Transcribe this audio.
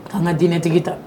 K'an ka diinɛ tigi ta